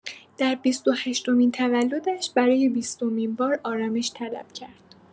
در بیست و هشتمین تولدش برای بیستمین بار آرامش طلب کرد.